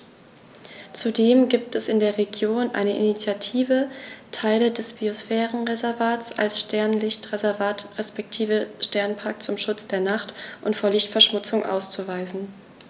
Zudem gibt es in der Region eine Initiative, Teile des Biosphärenreservats als Sternenlicht-Reservat respektive Sternenpark zum Schutz der Nacht und vor Lichtverschmutzung auszuweisen.